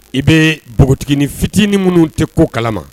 I bɛ npogo fitinin minnu tɛ ko kalama